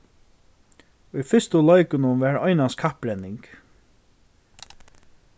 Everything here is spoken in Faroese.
í fyrstu leikunum var einans kapprenning